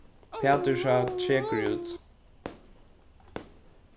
pætur sá trekur út